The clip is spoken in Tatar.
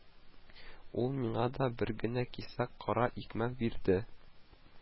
Ул миңа да бер генә кисәк кара икмәк бирде